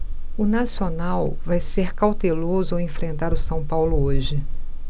o nacional vai ser cauteloso ao enfrentar o são paulo hoje